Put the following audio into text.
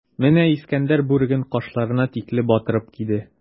Менә Искәндәр бүреген кашларына тикле батырып киде.